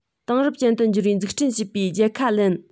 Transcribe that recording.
དེང རབས ཅན དུ འགྱུར བའི འཛུགས སྐྲུན བྱེད པའི རྒྱལ ཁ ལེན